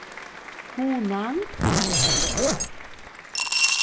hunang